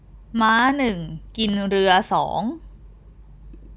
ม้าหนึ่งกินเรือสอง